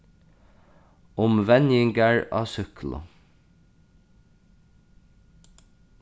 um venjingar á súkklu